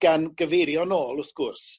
gan gyfeirio nôl wrth gwrs